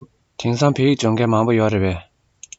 དེང སང བོད ཡིག སྦྱོང མཁན མང པོ ཡོད རེད པས